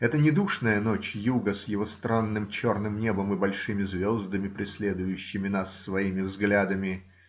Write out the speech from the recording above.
Это не душная ночь юга, с его странным черным небом и большими звездами, преследующими нас своими взглядами.